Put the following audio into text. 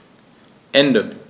Ende.